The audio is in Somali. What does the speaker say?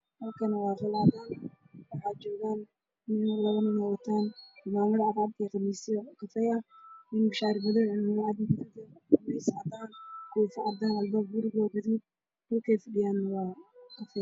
Waa iimuuqdo labo nin oo wataan cimaamado guduud ah